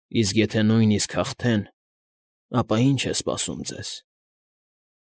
Իսկ եթե նույնիսկ հաղթեն, ապա ի՞նչ է սպասում ձեզ։